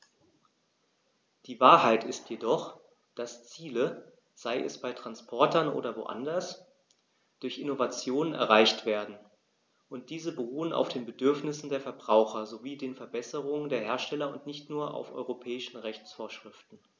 Die Wahrheit ist jedoch, dass Ziele, sei es bei Transportern oder woanders, durch Innovationen erreicht werden, und diese beruhen auf den Bedürfnissen der Verbraucher sowie den Verbesserungen der Hersteller und nicht nur auf europäischen Rechtsvorschriften.